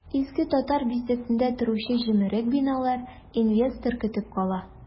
Иске татар бистәсендә торучы җимерек биналар инвестор көтеп кала.